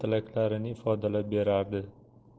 tilaklarini ifodalab berardi